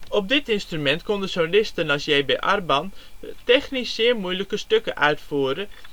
Op dit instrument konden solisten als J.B. Arban technisch zeer moeilijke stukken uitvoeren